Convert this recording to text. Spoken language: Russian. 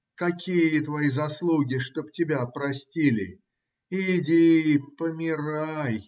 Какие твои заслуги, чтоб тебя простили? Иди, помирай!